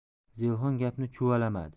zelixon gapni chuvalamadi